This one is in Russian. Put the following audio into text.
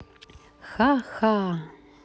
ха ха